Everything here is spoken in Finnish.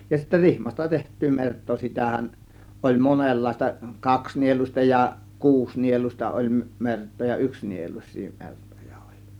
ja sitten rihmasta tehty merta sitähän oli monenlaista kaksinieluista ja kuusinieluista oli mertaa ja yksinieluisia mertoja oli